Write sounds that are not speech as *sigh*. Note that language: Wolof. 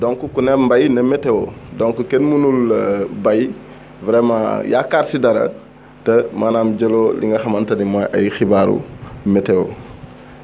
donc ku ne mbay ne météo donc kenn mënul *hesitation* bay vraiment yaakaar si dara te maanaam jëloo li nga xamante ni mooy ay xibaaru météo *noise*